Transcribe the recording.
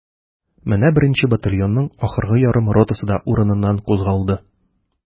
Менә беренче батальонның ахыргы ярым ротасы да урыныннан кузгалды.